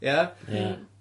Ia? Ia.